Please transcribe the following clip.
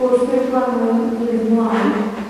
wrth i'r Gwanwyn fynd ymlaen,